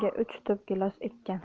yerga uch tup gilos ekkan